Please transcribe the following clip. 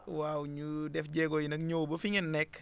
waaw ñu def jéego yi nag ñëw ba fi ngeen nekk